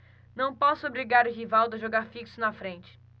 não posso obrigar o rivaldo a jogar fixo na frente